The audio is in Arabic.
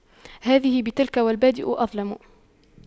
هذه بتلك والبادئ أظلم